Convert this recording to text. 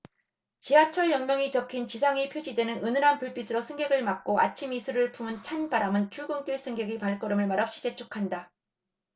지하철 역명이 적힌 지상의 표지대는 은은한 불빛으로 승객을 맞고 아침 이슬을 품은 찬 바람은 출근길 승객의 발걸음을 말없이 재촉한다